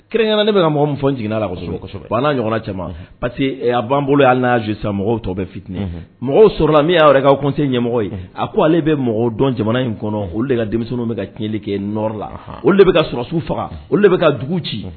Kerɛnkɛ na ne bɛka ka mɔgɔ min fɔ jiginna lasɔ ɲɔgɔn caman parce que b banan bolo y'a sisan mɔgɔw tɔw bɛ fit mɔgɔ sɔrɔla min'a yɛrɛ ka aw kɔn ɲɛmɔgɔ ye a ko ale bɛ mɔgɔ dɔn jamana in kɔnɔ olu de ka denmisɛnninw bɛ ka tiɲɛnli kɛ nɔ la olu de bɛ kasiw faga olu bɛ ka dugu ci